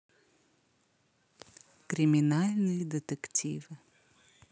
криминальные детективы